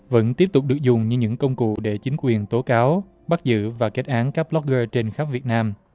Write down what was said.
vẫn tiếp tục được dùng như những công cụ để chính quyền tố cáo bắt giữ và kết án các bờ lóc gơ trên khắp việt nam